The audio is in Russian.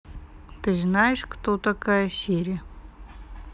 ты знаешь кто такая сири